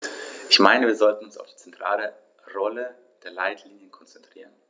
Ich meine, wir sollten uns auf die zentrale Rolle der Leitlinien konzentrieren.